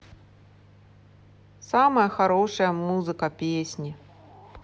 самая хорошая музыка песни